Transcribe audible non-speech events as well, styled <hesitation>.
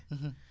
<hesitation> <hesitation>